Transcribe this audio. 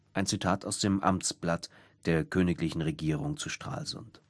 – Amtsblatt der Königlichen Regierung zu Stralsund